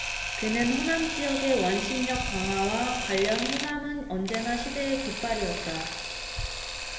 그는 호남지역의 원심력 강화와 관련 호남은 언제나 시대의 깃발이었다